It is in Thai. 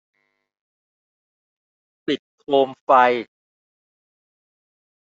ปิดโคมไฟ